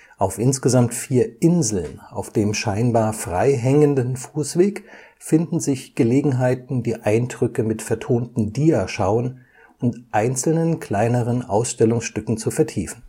Auf insgesamt vier „ Inseln “auf dem scheinbar frei hängenden Fußweg finden sich Gelegenheiten, die Eindrücke mit vertonten Diaschauen und einzelnen kleineren Ausstellungsstücken zu vertiefen